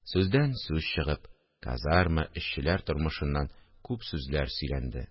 Сүздән сүз чыгып, казарма, эшчеләр тормышыннан күп сүзләр сөйләнде